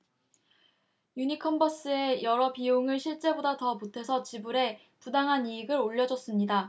유니컨버스에 여러 비용을 실제보다 더 보태서 지불해 부당한 이익을 올려줬습니다